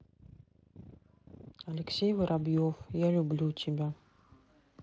алексей воробьев я люблю тебя